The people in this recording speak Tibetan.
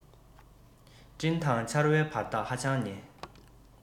སྤྲིན དང ཆར བའི བར ཐག ཧ ཅང ཉེ